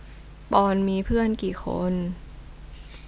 ปอนด์มีเพื่อนกี่คน